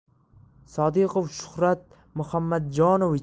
sodiqov shuhrat muhamadjonovich axborot